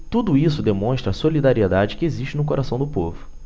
tudo isso demonstra a solidariedade que existe no coração do povo